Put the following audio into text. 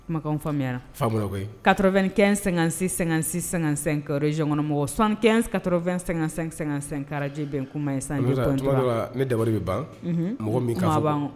Kumakanw faamuya la. A faamuna koyi. 95 56 56 55, région kɔnɔ mɔgɔw 75 80 55 55 radio bɛnkuma, 102 point 3 . I b'a dɔn wa. Ne dabali bɛ ban. Unhun! Mɔgɔ min ka .